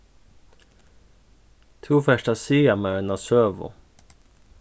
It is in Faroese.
tú fert at siga mær eina søgu